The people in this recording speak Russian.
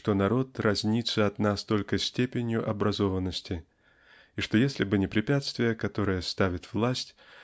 что народ разнится от нас только степенью образованности и что если бы не препятствия которые ставит власть